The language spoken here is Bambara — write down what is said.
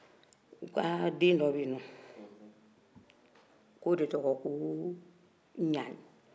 u ka den dɔ bɛ yen nɔ ko o de tɔgɔ ye ko ɲaani